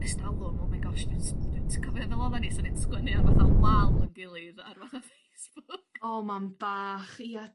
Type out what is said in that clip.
estawlw oh my gosh dwi'n s- dwi'n s... Cofio fel oddan ni 'swn ni'n ar fatha wal 'yn gilydd ar wa- Facebook. O mam bach ia.